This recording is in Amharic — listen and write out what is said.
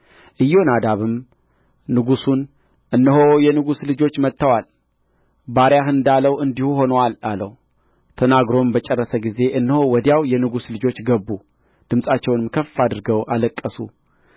ኢዮናዳብም ንጉሡን እነሆ የንጉሡ ልጆች መጥተዋል ባሪያህ እንዳለው እንዲሁ ሆኖአል አለው ተናግሮም በጨረሰ ጊዜ እነሆ ወዲያው የንጉሥ ልጆች ገቡ ድምፃቸውንም ከፍ አድርገው አለቀሱ